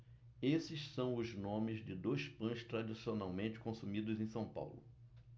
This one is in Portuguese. esses são os nomes de dois pães tradicionalmente consumidos em são paulo